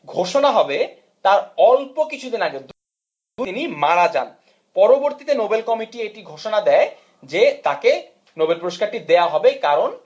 ঘোষণা হবে তার অল্প কিছুদিন আগে তিনি মারা যান পরবর্তীতে নোবেল কমিটি এটি ঘোষণা দেয় যে তাকে নোবেল পুরস্কারটি দেয়া হবে কারণ